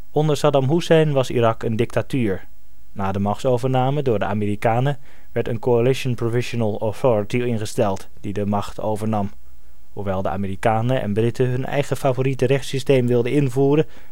Onder Saddam Hoessein was Irak een dictatuur. Na de machtsovername door de Amerikanen werd een Coalition Provisional Authority ingesteld, die de macht overnam. Hoewel de Amerikanen en Britten hun eigen favoriete rechtssysteem wilden invoeren